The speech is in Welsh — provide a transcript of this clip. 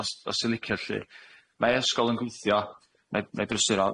os os ti'n licio 'lly. Mae ysgol yn gweithio na- 'na i